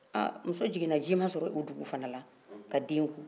muso jigin na ji ma sɔrɔ o dugu fana na ka den ko